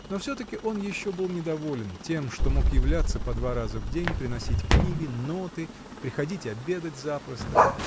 Но все-таки он еще был недоволен тем, что мог являться по два раза в день, приносить книги, ноты, приходить обедать запросто.